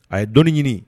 A ye dɔɔnin ɲini